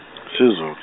siZul-.